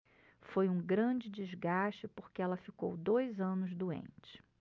foi um grande desgaste porque ela ficou dois anos doente